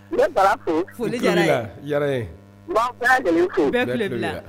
N bɛ Bala fo. Foli jara an ye. O tulo b'i la. O jara an ye. N b'a bɛɛ lajɛlen fo. Bɛɛ tulo b'i la <CHEVAUCHEMENT DE VOIX>.